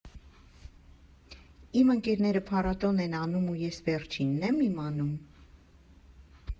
Իմ ընկերները փառատոն են անում, ու ես վերջի՞նն եմ իմանում։